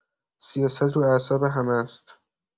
سیاست رو اعصاب همه‌ست.